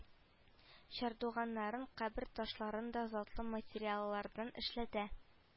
Чардуганнарын кабер ташларын да затлы материаллардан эшләтә